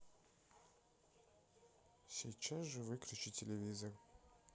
сейчас же выключи телевизор